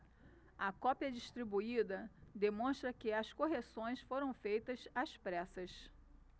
a cópia distribuída demonstra que as correções foram feitas às pressas